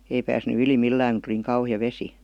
ei päässyt yli millään kun tuli niin kauhea vesi